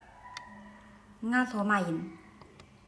ང སློབ མ ཡིན